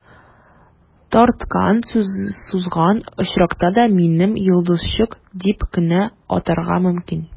Тарткан-сузган очракта да, мине «йолдызчык» дип кенә атарга мөмкин.